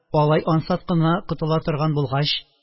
Алай ансат кына котыла торган булгач